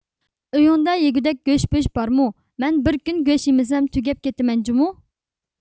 ئۆيۈڭدە يېگۈدەك گۆش پۆش بارمۇ مەن بىر كۈن گۆش يېمىسەم تۈگەپ كېتىمەن جۇمۇ